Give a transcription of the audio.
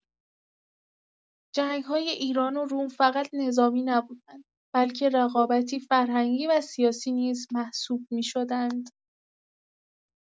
جنگ‌های ایران و روم فقط نظامی نبودند، بلکه رقابتی فرهنگی و سیاسی نیز محسوب می‌شدند.